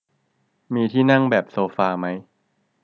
มีที่นั่งแบบโซฟามั้ย